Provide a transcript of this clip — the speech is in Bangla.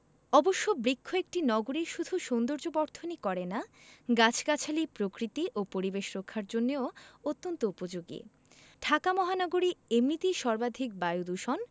অবশ্য বৃক্ষ একটি নগরীর শুধু সৌন্দর্যবর্ধনই করে না গাছগাছালি প্রকৃতি ও পরিবেশ রক্ষার জন্যেও অত্যন্ত উপযোগী ঢাকা মহানগরী এমনিতেই সর্বাধিক বায়ুদূষণ